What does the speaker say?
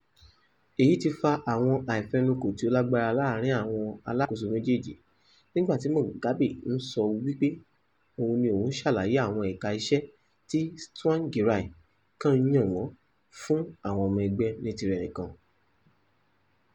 Èyí tí fa àwọn àìfẹnukò tí ó lágbára láàárín àwọn alákòóso méjèèjì, nígbà tí Mugabe ń sọ wípé òun ni òun ṣàlàyé àwọn ẹ̀ka iṣẹ́ tí Tsvangirai kàn yàn wọ́n fún àwọn ọmọ ẹgbẹ́ tirẹ̀ nìkan.